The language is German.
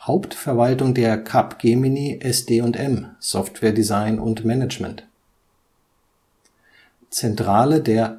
Hauptverwaltung der Capgemini sd&m – software design & management Zentrale der